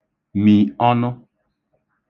mì ọnụ